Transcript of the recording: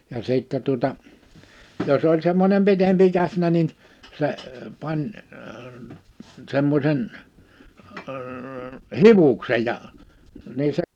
ja sitten tuota jos oli semmoinen pitempi känsä niin se pani semmoisen - hiuksen ja niin se